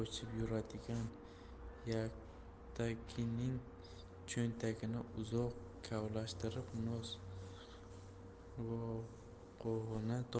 yaktagining cho'ntagini uzoq kavlashtirib nosqovog'ini topdi